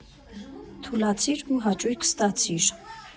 Թուլացիր ու հաճույք ստացիր։